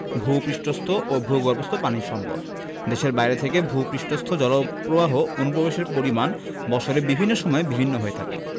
ভূ পৃষ্ঠস্থ ও ভূগর্ভস্থ পানি সম্পদ দেশের বাইরে থেকে ভূ পৃষ্ঠস্থ জলপ্রবাহ অনুপ্রবেশের পরিমাণ বৎসরের বিভিন্ন সময়ে বিভিন্ন হয়ে থাকে